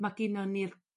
ma' ginon ni'r